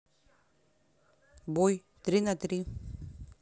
бой три на три